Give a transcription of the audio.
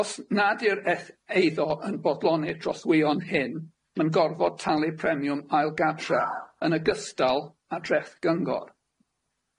Os nad yw'r eth- eiddo yn bodloni'r trothwyon hyn, ma'n gorfod talu premiwm ail gadra yn ogystal â treth gyngor.